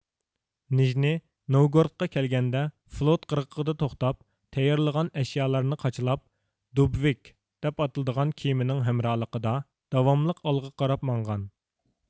نىژنى نوۋگورودقا كەلگەندە فلوت قىرغىقىدا توختاپ تەييارلىغان ئەشيالارنى قاچىلاپ دۇبۋىك دەپ ئاتىلىدىغان كېمىنىڭ ھەمراھلىقىدا داۋاملىق ئالغا قاراپ ماڭغان